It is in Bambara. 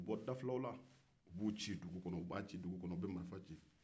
ubɛ bo dafilaw la u b'u ci dugu kɔnɔ